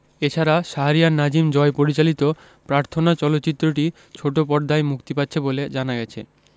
এ ছাড়া শাহরিয়ার নাজিম জয় পরিচালিত প্রার্থনা চলচ্চিত্রটি ছোট পর্দায় মুক্তি পাচ্ছে বলে জানা গেছে